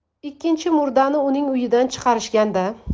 ikkinchi murdani uning uyidan chiqarishgan da